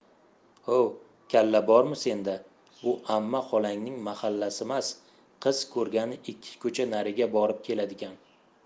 hov kalla bormi senda bu amma xolangning mahallasimas qiz ko'rgani ikki ko'cha nariga borib keladigan